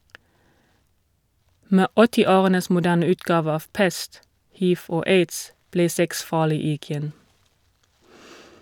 Med åttiårenes moderne utgave av pest, hiv og aids, ble sex farlig igjen.